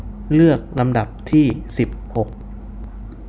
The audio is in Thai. เลือกลำดับที่สิบหก